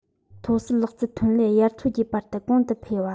མཐོ གསར ལག རྩལ ཐོན ལས དབྱར མཚོ རྒྱས པ ལྟར གོང དུ འཕེལ བ